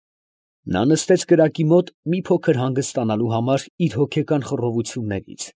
Նա նստեց կրակի մոտ մի փոքր հանգստանալու համար իր ոգեկան խռովություններից։